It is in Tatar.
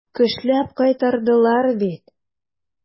Көчләп кайтардылар бит.